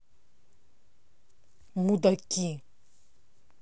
мудаки